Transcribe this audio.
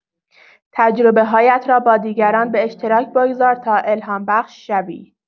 تجربه‌هایت را با دیگران به اشتراک بگذار تا الهام‌بخش شوی.